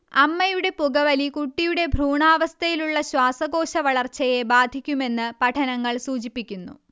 അമ്മയുടെ പുകവലി കുട്ടിയുടെ ഭ്രൂണാവസ്ഥയിലെ ശ്വാസകോശവളർച്ചയെ ബാധിക്കുമെന്ന് പഠനങ്ങൾ സൂചിപ്പിക്കുന്നു